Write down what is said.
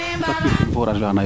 forage faa xana yoq waa